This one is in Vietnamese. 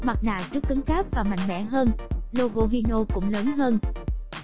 mặt nạ trước cứng cáp và mạnh mẽ hơn logo hino cũng lớn hơn